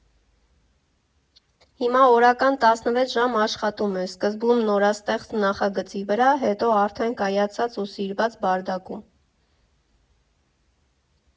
Հիմա օրական տասնվեց ժամ աշխատում է, սկզբում՝ նորաստեղծ նախագծի վրա, հետո արդեն կայացած ու սիրված «Բարդակում»։